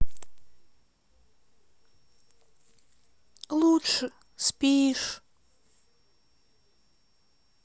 лучше спишь